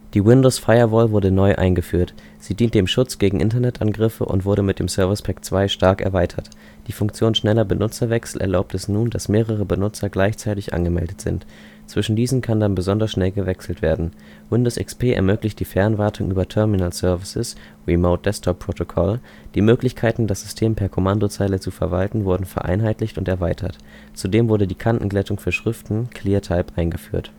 Die Windows Firewall wurde neu eingeführt. Sie dient dem Schutz gegen Internetangriffe und wurde mit dem Service Pack 2 stark erweitert. Die Funktion „ Schneller Benutzerwechsel “erlaubt es nun, dass mehrere Benutzer gleichzeitig angemeldet sind. Zwischen diesen kann dann besonders schnell gewechselt werden. Windows XP ermöglicht die Fernwartung über Terminal Services (Remote Desktop Protocol). Die Möglichkeiten, das System per Kommandozeile zu verwalten, wurden vereinheitlicht und erweitert. Zudem wurde die Kantenglättung für Schriften (ClearType) eingeführt